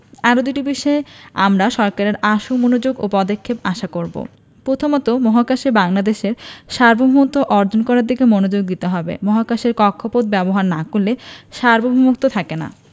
আরও দুটি বিষয়ে আমরা সরকারের আশু মনোযোগ ও পদক্ষেপ আশা করব প্রথমত মহাকাশে বাংলাদেশের সার্বভৌমত্ব অর্জন করার দিকে মনোযোগ দিতে হবে মহাকাশের কক্ষপথ ব্যবহার না করলে সার্বভৌমত্ব থাকে না